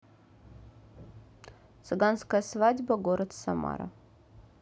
цыганская свадьба город самара